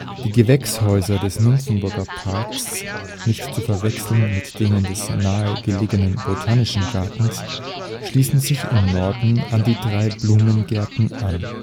Die Gewächshäuser des Nymphenburger Parks, nicht zu verwechseln mit denen des nahegelegenen Botanischen Gartens, schließen sich im Norden an die drei Blumengärten an